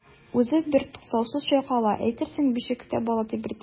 Үзе бертуктаусыз чайкала, әйтерсең бишектә бала тибрәтә.